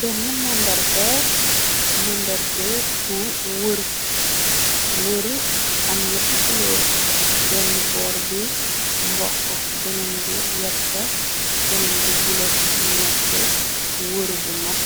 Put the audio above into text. Denn màndarga màndarge bu wr wër am ñetti kuloor denn boor bi mbokk beneen bi werka beneen bi bule mu nekke wër bu mat